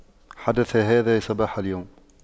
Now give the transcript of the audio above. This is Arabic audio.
حدث هذا صباح اليوم